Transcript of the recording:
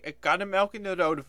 en karnemelk (rood